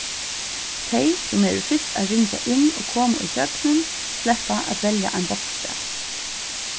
tey sum eru fyrst at ringja inn og koma ígjøgnum sleppa at velja ein bókstav